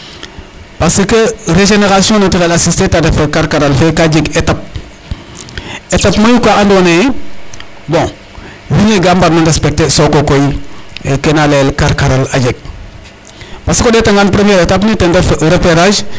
Parce que regénération naturelle assisté ta ref karkaral fe ka jeg étape .Étape mayu ka andoona yee bon wiin we gaa mbarno respecter .Soko koy ke na layel karkaral a jeg parce que o ɗeetanga ke na layel 1er étape ne ta ref repérage.